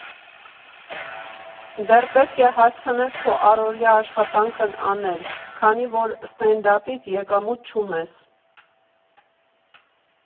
Դեռ պետք է հասցնես քո առօրյա աշխատանքն անել, քանի որ սթենդափից եկամուտ չունես։